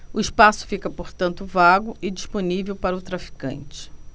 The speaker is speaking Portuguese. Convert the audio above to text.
o espaço fica portanto vago e disponível para o traficante